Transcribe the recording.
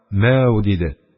«мәү-ү!» диде